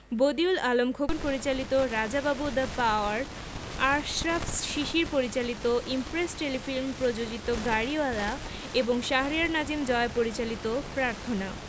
বদিউল আলম খোকন পরিচালিত Raja Babu The Power Ashraf Shishir পরিচালিত Impress Telefilm প্রযোজিত গাড়িওয়ালা এবং শাহরিয়ার নাজিম জয় পরিচালিত প্রার্থনা